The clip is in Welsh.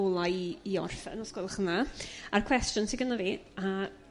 ola' i i orffen os gwelwch yn dda. A'r cwestiwn sydd gynno fi a